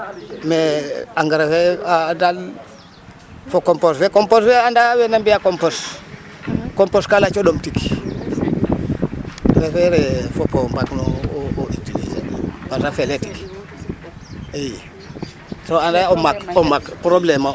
Mais engrais fe daal fo compos fe compos fe anda we na mbi'aa compos compos kaa yaaco ɗom tig refee yee fop mbaag no utiliser parce que felee tig i so anda yee o maat ,maat problème o.